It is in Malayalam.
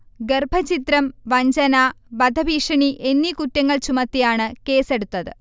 ഗർഭഛിദ്രം, വഞ്ചന, വധഭീഷണി എന്നീ കുറ്റങ്ങൾ ചുമത്തിയാണ് കേസെടുത്തത്